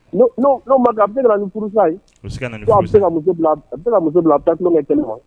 'o ma an bɛ nin kurusa bɛ se ka a bɛ ka muso bila taa ka kɛnɛ ma